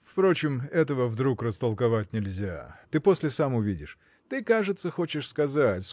Впрочем, этого вдруг растолковать нельзя; ты после сам увидишь. Ты кажется хочешь сказать